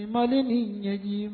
Mali ni ɲɛji